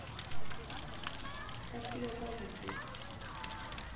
как тебя зовут бот